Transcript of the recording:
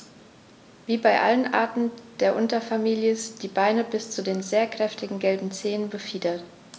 Wie bei allen Arten der Unterfamilie sind die Beine bis zu den sehr kräftigen gelben Zehen befiedert.